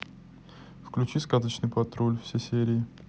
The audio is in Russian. включить сказочный патруль все серии